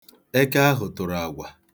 Eke ahụ tụrụ agwa.